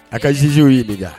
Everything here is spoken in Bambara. A ka zzyo ye de kan